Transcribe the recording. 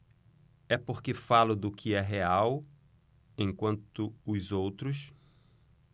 é porque falo do que é real enquanto os outros